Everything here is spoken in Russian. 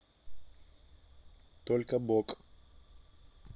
только бок